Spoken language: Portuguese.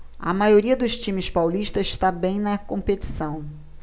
a maioria dos times paulistas está bem na competição